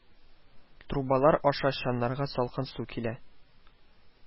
Трубалар аша чаннарга салкын су килә